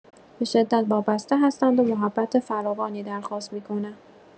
به‌شدت وابسته هستند و محبت فراوانی درخواست می‌کنند.